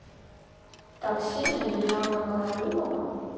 так сильно юлианна караулова